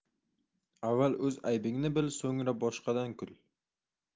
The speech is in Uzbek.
avval o'z aybingni bil so'ngra boshqadan kul